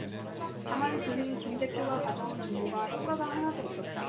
다만 그는 김 대표가 가져온 정보가 효과가 하나도 없었다